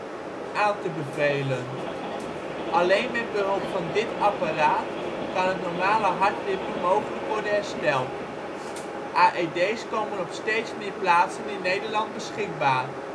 aan te bevelen. Alleen met behulp van dit apparaat kan het normale hartritme mogelijk worden hersteld. AED 's komen op steeds meer plaatsen in Nederland beschikbaar